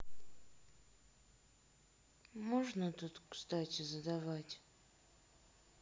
можно тут кстати задавать